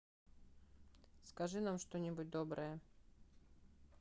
скажи нам что нибудь доброе